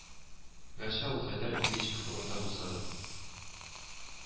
Гәрчә, ул Хәйдәр Бигичев турында булса да